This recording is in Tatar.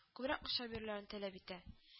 Күбрәк акча бирүләрен таләп итә